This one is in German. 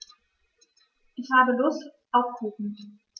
Ich habe Lust auf Kuchen.